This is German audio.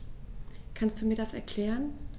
Kannst du mir das erklären?